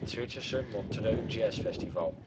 Zwitserse Montreux Jazz Festival